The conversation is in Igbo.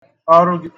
Ọrụ gị bụ ibo ibu.